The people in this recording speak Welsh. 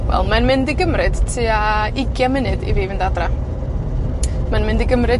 Wel mae'n mynd i gymryd tua ugian munud i fi fynd adra. Mae'n mynd i gymryd